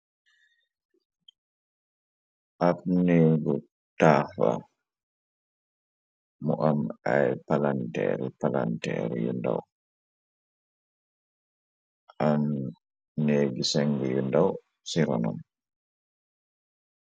ab neegu taax la mu am ay palanteeru palanteeru yu ndaw am neegi seng yu ndaw ci ronom.